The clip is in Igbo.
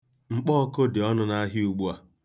Mkpọọkụ dị ọnụ n'ahịa ugbu a.